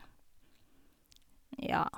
Ja.